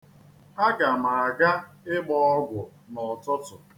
Aga m aga ịgba ọgwụ n'ụtụtụ.